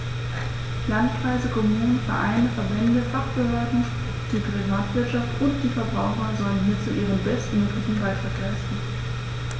Landkreise, Kommunen, Vereine, Verbände, Fachbehörden, die Privatwirtschaft und die Verbraucher sollen hierzu ihren bestmöglichen Beitrag leisten.